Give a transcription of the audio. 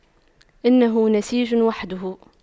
إنه نسيج وحده